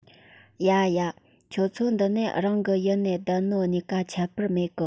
ཡ ཡ ཁྱོད ཚོ འདི ནས རང གི ཡུའུ ནས བསྡད ནོ གཉིས ཀ ཁྱད པར མེད གི